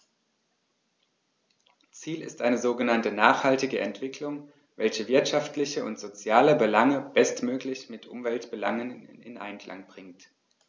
Ziel ist eine sogenannte nachhaltige Entwicklung, welche wirtschaftliche und soziale Belange bestmöglich mit Umweltbelangen in Einklang bringt.